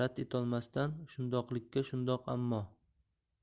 rad etolmasdan shundoqlikka shundoq ammo